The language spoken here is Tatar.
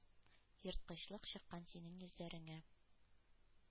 Ерткычлык чыккан синең йөзләреңә!